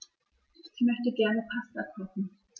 Ich möchte gerne Pasta kochen.